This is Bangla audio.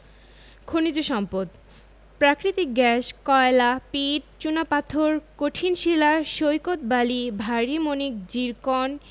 খনিজ সম্পদঃ প্রাকৃতিক গ্যাস কয়লা পিট চুনাপাথর কঠিন শিলা সৈকত বালি ভারি মণিক জিরকন